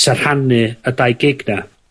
'sa rhannu y dau gig 'na.